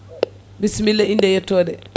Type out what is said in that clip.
bissimilla inde e yettode